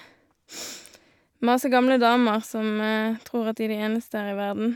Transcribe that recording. Masse gamle damer som tror at de er de eneste her i verden.